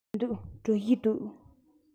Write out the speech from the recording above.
མི འདུག གྲོ ཞིབ འདུག